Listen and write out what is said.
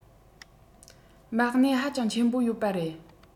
མ གནས ཧ ཅང ཆེན པོ ཡོད པ རེད